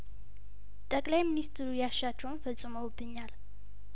ጠቅላይ ሚኒስትሩ ያሻቸውን ፈጽመውብኛል